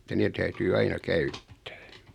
että ne täytyy aina käyttää